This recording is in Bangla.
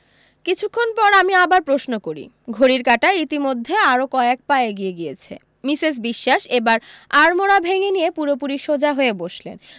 কিছুক্ষণ পর আমি আবার প্রশ্ন করি ঘড়ির কাঁটা ইতিমধ্যে আরও কয়েক পা এগিয়ে গিয়েছে মিসেস বিশ্বাস এবার আড়মোড়া ভেঙে নিয়ে পুরোপুরি সোজা হয়ে বসলেন